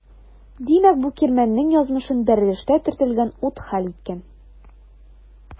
Димәк бу кирмәннең язмышын бәрелештә төртелгән ут хәл иткән.